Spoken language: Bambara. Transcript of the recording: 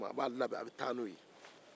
a b'a labɛn a bɛ taa n'o ye